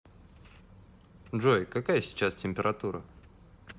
джой какая сейчас температура